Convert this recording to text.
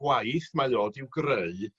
gwaith mae o 'di'w greu